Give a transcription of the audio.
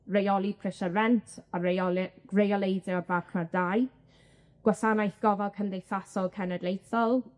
reoli prisie rent a reole- reoleiddio'r farchnadau gwasanaeth gofal cymdeithasol cenedlaethol,